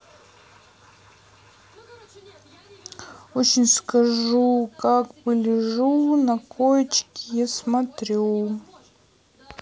очень скажу как бы лежу на коечке я смотрю